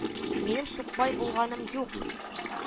Минем сукбай булганым юк